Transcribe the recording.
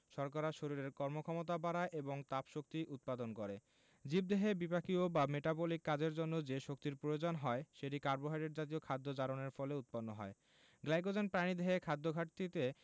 শর্করা শরীরের কর্মক্ষমতা বাড়ায় এবং তাপশক্তি উৎপাদন করে জীবদেহে বিপাকীয় বা মেটাবলিক কাজের জন্য যে শক্তির প্রয়োজন হয় সেটি কার্বোহাইড্রেট জাতীয় খাদ্য জারণের ফলে উৎপন্ন হয় গ্লাইকোজেন প্রাণীদেহে খাদ্যঘাটতিতে